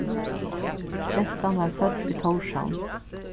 gentan varð fødd í tórshavn